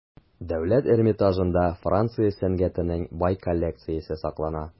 Дәүләт Эрмитажында Франция сәнгатенең бай коллекциясе саклана.